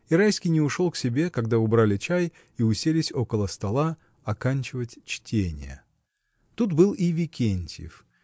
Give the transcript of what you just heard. И Райский не ушел к себе, когда убрали чай и уселись около стола оканчивать чтение. Тут был и Викентьев.